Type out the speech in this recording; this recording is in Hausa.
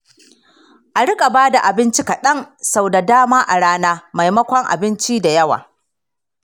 a riƙa ba da abinci kaɗan sau da dama a rana maimakon abinci da yawa.